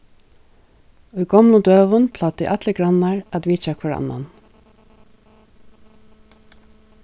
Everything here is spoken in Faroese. í gomlum døgum plagdu allir grannar at vitja hvør annan